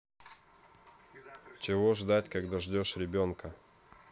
чего ждать когда ждешь ребенка